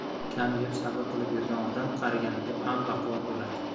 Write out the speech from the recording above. kam yeb sabr qilib yurgan odam qariganida ham baquvvat bo'larkan